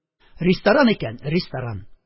Ресторан икән – ресторан.